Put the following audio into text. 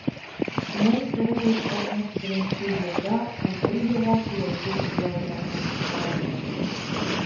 1961 елда ул бер елга түләүсез ял да алып карады.